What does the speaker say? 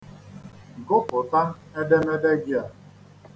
Gụpụta edemede gị a.